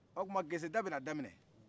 o tuma geseda bɛna daminɛ